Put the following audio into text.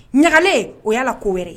Ɲagalen o y'a ko wɛrɛ